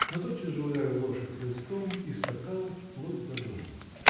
-- но тотчас же ударил лошадь хлыстом и скакал вплоть до дому.